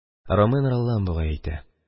Ромэн Роллан бугай, әйтә: